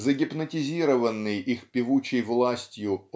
загипнотизированный их певучей властью